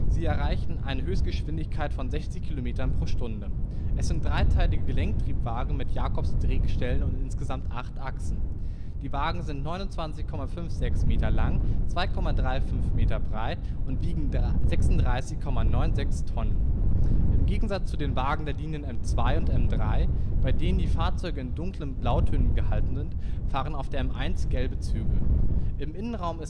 Sie erreichen eine Höchstgeschwindigkeit von 60 Kilometern pro Stunde. Es sind dreiteilige Gelenktriebwagen mit Jakobsdrehgestellen und insgesamt acht Achsen. Die Wagen sind 29,56 Meter lang, 2,35 Meter breit und wiegen 36,96 Tonnen. Im Gegensatz zu den Wagen der Linien M2 und M3, bei denen die Fahrzeuge in dunklen Blautönen gehalten sind, fahren auf der M1 gelbe Züge. Im Innenraum